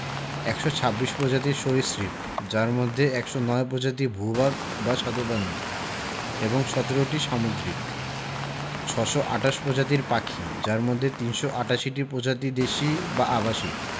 ১২৬ প্রজাতির সরীসৃপ যার মধ্যে ১০৯টি প্রজাতি ভূ ভাগ বা স্বাদুপানির এবং ১৭টি সামুদ্রিক ৬২৮ প্রজাতির পাখি যার মধ্যে ৩৮৮টি প্রজাতি দেশী বা আবাসিক